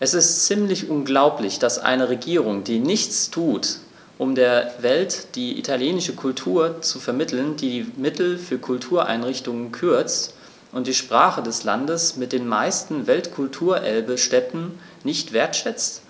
Es ist ziemlich unglaublich, dass eine Regierung, die nichts tut, um der Welt die italienische Kultur zu vermitteln, die die Mittel für Kultureinrichtungen kürzt und die Sprache des Landes mit den meisten Weltkulturerbe-Stätten nicht wertschätzt,